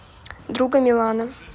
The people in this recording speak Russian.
друга милана